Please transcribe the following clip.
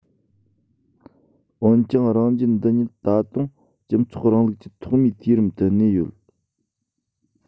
འོན ཀྱང རང རྒྱལ འདི ཉིད ད དུང སྤྱི ཚོགས རིང ལུགས ཀྱི ཐོག མའི དུས རིམ དུ གནས ཡོད